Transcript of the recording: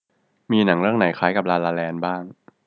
มีหนังเรื่องไหนคล้ายกับลาลาแลนด์บ้าง